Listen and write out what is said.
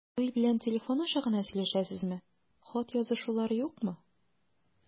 Равил белән телефон аша гына сөйләшәсезме, хат язышулар юкмы?